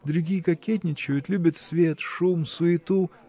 другие кокетничают, любят свет, шум, суету